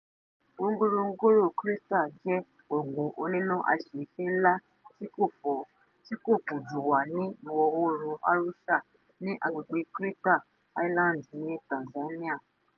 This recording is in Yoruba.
Ngorongoro Crater jẹ́ ọ̀gbùn oníná aṣèéfín ńlá, tí kò fọ́, tí kò kùn jù wà ní ìwọ̀-oòrùn Arusha ní agbègbè Crater Highlands ní Tanzania.